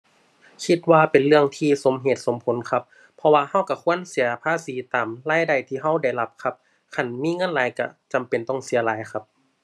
คิดว่าเป็นเรื่องที่สมเหตุสมผลครับ เพราะว่าเราเราควรเสียภาษีตามรายได้ที่เราได้รับครับ คันมีเงินหลายเราจำเป็นต้องเสียหลายครับ